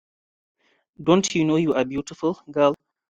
Don’t you know you are a beautiful girl?